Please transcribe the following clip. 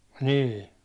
niin